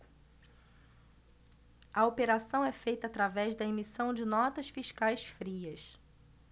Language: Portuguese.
a operação é feita através da emissão de notas fiscais frias